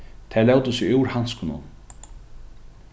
tey lótu seg úr handskunum